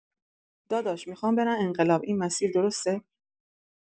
داداش، می‌خوام برم انقلاب، این مسیر درسته؟